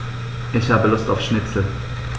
Ich habe Lust auf Schnitzel.